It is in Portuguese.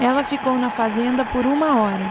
ela ficou na fazenda por uma hora